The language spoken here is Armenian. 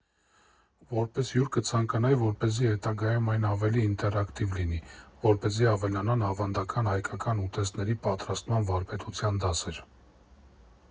Որպես հյուր, կցանկանայի, որպեսզի հետագայում այն ավելի ինտերակտիվ լինի, որպեսզի ավելանան ավանդական հայկական ուտեստների պատրաստման վարպետության դասեր։